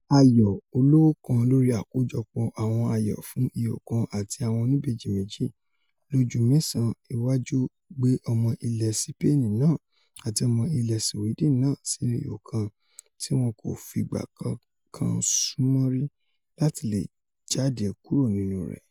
Ayò ọlọ́wọ́kan lórí àkójọpọ̀ àwọn ayò fún ihò kan ati awọn oníbejì méji lóju mẹ́ẹ̀sán iwáju gbẹ́ ọmọ ilẹ̀ Sipeeni náà àti ọmọ ilẹ̀ Siwidin náà sínú ihò kan tí wọn kò fígbà kankan súnmọ́ rí láti leè jadé kuro nínú rẹ̀.